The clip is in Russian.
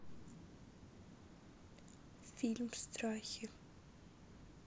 фильм страхи